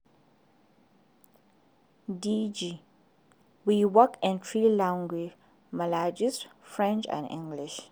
DG: We work in three languages: Malagasy, French, and English.